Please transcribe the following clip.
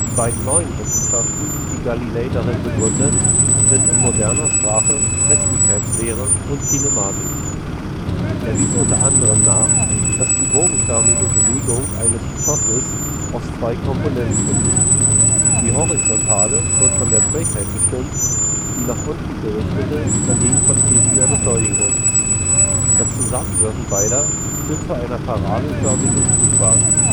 beiden neuen Wissenschaften, die Galilei darin begründet, sind in moderner Sprache Festigkeitslehre und Kinematik. Er wies unter anderem nach, dass die bogenförmige Bewegung eines Geschosses aus zwei Komponenten besteht: Die horizontale wird von der Trägheit bestimmt, die nach unten gerichtete dagegen von stetiger Beschleunigung. Das Zusammenwirken beider führt zu einer parabelförmigen Flugbahn